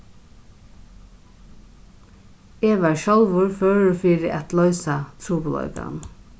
eg var sjálvur førur fyri at loysa trupulleikan